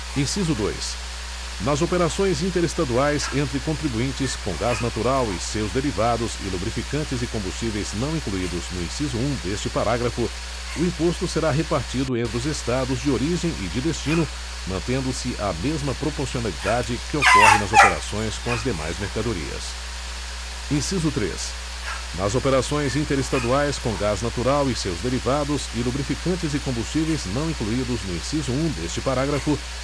inciso dois nas operações interestaduais entre contribuintes com gás natural e seus derivados e lubrificantes e combustíveis não incluídos no inciso um deste parágrafo o imposto será repartido entre os estados de origem e de destino mantendo se a mesma proporcionalidade que ocorre nas operações com as demais mercadorias inciso três nas operações interestaduais com gás natural e seus derivados e lubrificantes e combustíveis não incluídos no inciso um deste parágrafo